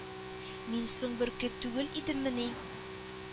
Мин соң бөркет түгел идеммени,